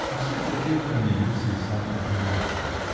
а вслед за кельнером явился и сам Панталеоне.